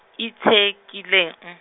itshekile .